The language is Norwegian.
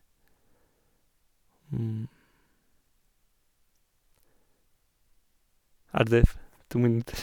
Er det f to minutter?